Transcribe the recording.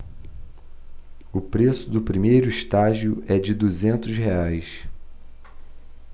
o preço do primeiro estágio é de duzentos reais